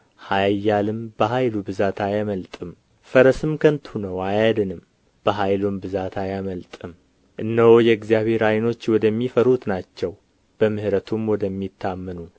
ኃያልም በኃይሉ ብዛት አያመልጥም ፈረስም ከንቱ ነው አያድንም በኃይሉም ብዛት አያመልጥም እነሆ የእግዚአብሔር ዓይኖች ወደሚፈሩት ናቸው በምሕረቱም ወደሚታመኑ